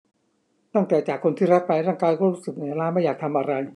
ตั้งแต่จากคนที่รักไปร่างกายก็รู้สึกเหนื่อยล้าไม่อยากทำอะไร